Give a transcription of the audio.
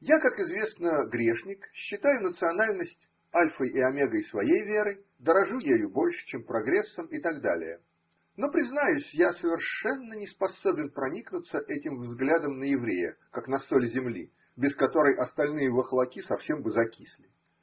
Я, как известно, грешник, считаю национальность альфой и омегой своей веры, дорожу ею больше, чем прогрессом, и т.д. Но. признаюсь, я совершенно не способен проникнуться этим взглядом на еврея, как на соль земли, без которой остальные вахлаки совсем бы закисли.